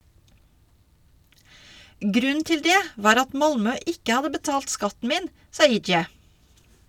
Grunnen til det var at Malmö ikke hadde betalt skatten min, sa Ijeh.